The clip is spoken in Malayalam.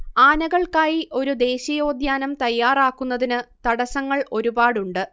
ആനകൾക്കായി ഒരു ദേശീയോദ്യാനം തയ്യാറാക്കുന്നതിന് തടസ്സങ്ങൾ ഒരുപാടുണ്ട്